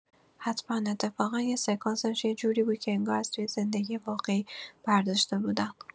حتما، اتفاقا یه سکانسش یه جوری بود که انگار از توی زندگی واقعی برداشته بودن.